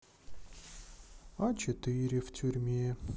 а четыре в тюрьме